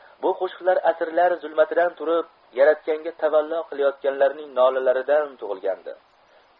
bu qo'shiqlar asrlar zulmatidan turib yaratganga tavallo qilayotganlarning nolalaridan tug'ilgandi